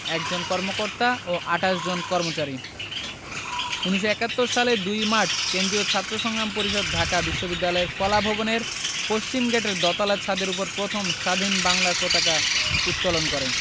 ১ জন কর্মকর্তা ও ২৮ জন কর্মচারী ১৯৭১ সালের ২ মার্চ কেন্দ্রীয় ছাত্র সংগ্রাম পরিষদ ঢাকা বিশ্ববিদ্যালয় কলাভবনের পশ্চিমগেটের দোতলার ছাদের উপর প্রথম স্বাধীন বাংলার পতাকা উত্তোলন করে